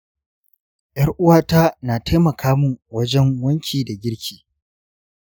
yar uwata na taimaka min wajen wanki da girki.